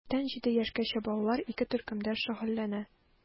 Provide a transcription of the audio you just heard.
3 тән 7 яшькәчә балалар ике төркемдә шөгыльләнә.